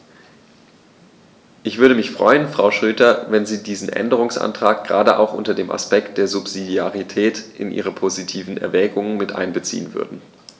Ich würde mich freuen, Frau Schroedter, wenn Sie diesen Änderungsantrag gerade auch unter dem Aspekt der Subsidiarität in Ihre positiven Erwägungen mit einbeziehen würden.